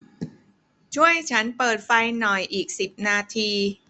ช่วยฉันเปิดไฟหน่อยอีกสิบนาที